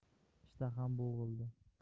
ishtaham bo'g'ildi